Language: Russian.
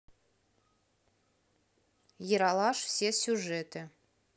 ералаш все сюжеты